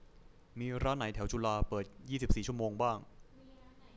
มีร้านไหนแถวจุฬาเปิดยี่สิบสี่ชั่วโมงบ้าง